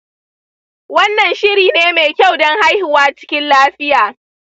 wannan shiri ne mai kyau dan haihuwa cikin lafiya.